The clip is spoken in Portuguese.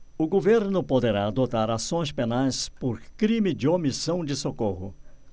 o governo poderá adotar ações penais por crime de omissão de socorro